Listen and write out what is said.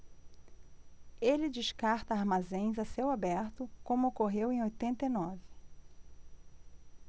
ele descarta armazéns a céu aberto como ocorreu em oitenta e nove